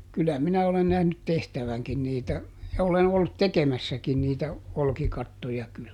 kyllä minä olen nähnyt tehtävänkin niitä ja olen ollut tekemässäkin niitä olkikattoja kyllä